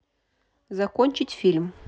закончить фильм